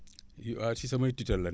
ci waa ci samay tutelles lañ